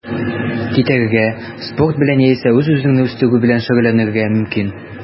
Китәргә, спорт белән яисә үз-үзеңне үстерү белән шөгыльләнергә мөмкин.